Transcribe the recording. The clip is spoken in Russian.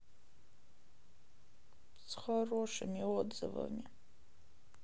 с хорошими отзывами